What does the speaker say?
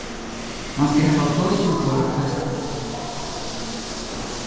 mann skal hava pláss umborð á teistanum